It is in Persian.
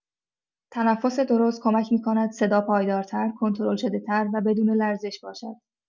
تنفس درست کمک می‌کند صدا پایدارتر، کنترل‌شده‌تر و بدون لرزش باشد.